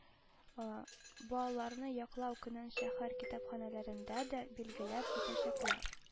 Балаларны яклау көнен шәһәр китапханәләрендә дә билгеләп үтәчәкләр